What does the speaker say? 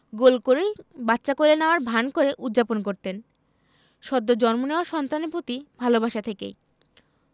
গোল করেই বাচ্চা কোলে নেওয়ার ভান করে উদ্ যাপন করতেন সদ্য জন্ম নেওয়া সন্তানের প্রতি ভালোবাসা থেকেই